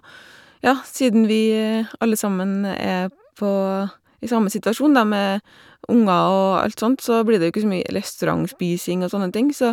Ja, siden vi alle sammen er på i samme situasjon, da, med unger og alt sånt så blir det jo ikke så mye restaurantspising og sånne ting, så...